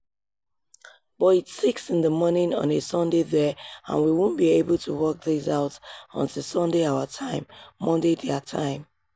"But it's six in the morning on a Sunday there and we won't be able to work this out until Sunday our time, Monday their time.